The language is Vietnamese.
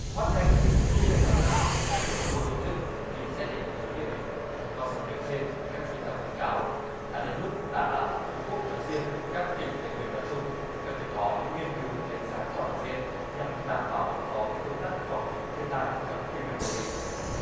thoát nhanh nhưng lại ngập nặng là điều không lô díc khi xét đến yếu tố địa hình qua sự việc trên thì các chuyên gia khuyến cáo đã đến lúc đà lạt phú quốc nói riêng các tỉnh tây nguyên nói chung cần phải có những nghiên cứu đánh giá toàn diện nhằm đảm bảo ứng phó với công tác phòng chống thiên tai trong quy hoạch đô thị